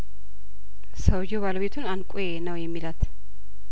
ሰውዬው ባለቤቱን እንቋ ነው የሚላት